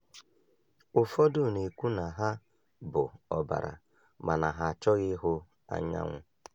Ụfọdụ na-ekwu na ha bụ ọbara mana ha achọghị ịhụ anyaanwụ